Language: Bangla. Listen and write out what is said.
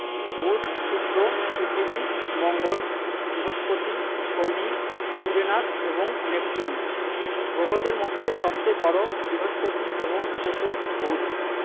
বুধ শুক্র পৃথিবী মঙ্গল বৃহস্পতি শনি ইউরেনাস এবং নেপচুন গ্রহদের মধ্যে সবচেয়ে বড় বৃহস্পতি এবং ছোট বুধ